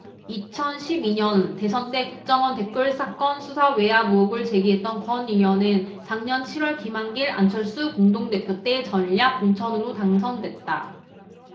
이천 십 이 년 대선 때 국정원 댓글 사건 수사 외압 의혹을 제기했던 권 의원은 작년 칠 월 김한길 안철수 공동대표 때 전략 공천으로 당선됐다